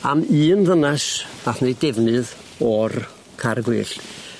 Am un ddynas nath neud defnydd o'r car gwyllt.